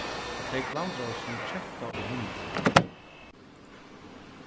tey klandraðust sum ketta og hundur